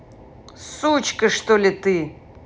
сучка что ли ты